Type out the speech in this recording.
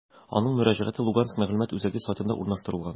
Аның мөрәҗәгате «Луганск мәгълүмат үзәге» сайтында урнаштырылган.